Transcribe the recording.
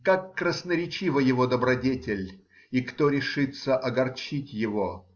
Как красноречива его добродетель, и кто решится огорчить его?.